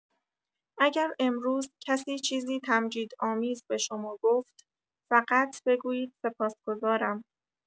اگر امروز کسی چیزی تمجیدآمیز به شما گفت، فقط بگویید سپاسگزارم!